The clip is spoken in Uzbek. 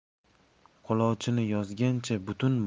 qulochini yozgancha butun